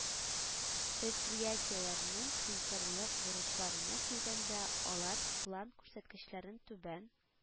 Предприятиеләрнең кредиторлык бурычларына килгәндә, алар план күрсәткечләреннән түбән